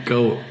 Go.